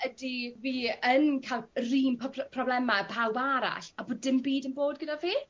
Ydi fi yn ca'l yr un pobry- probleme â pawb arall a bo' dim byd yn bod gyda fi?